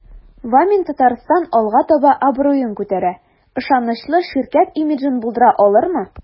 "вамин-татарстан” алга таба абруен күтәрә, ышанычлы ширкәт имиджын булдыра алырмы?